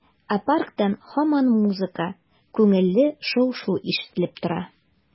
Ә парктан һаман музыка, күңелле шау-шу ишетелеп тора.